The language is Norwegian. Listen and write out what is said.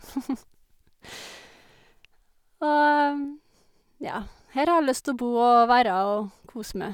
Og, ja, her har jeg lyst å bo og være og kose meg.